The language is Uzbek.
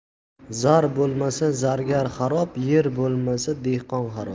zar bo'lmasa zargar xarob yer bo'lmasa dehqon xarob